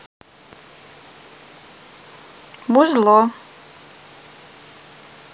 музло